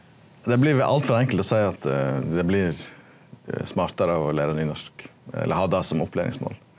det blir vel altfor enkelt å seie at dei blir smartare av å lære nynorsk eller ha det som opplæringsmål.